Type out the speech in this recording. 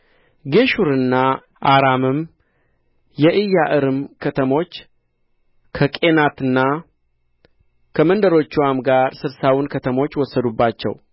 ጌሹርና አራምም የኢያዕርን ከተሞች ከቄናትና ከመንደሮችዋ ጋር ስድሳውን ከተሞች ወሰዱባቸው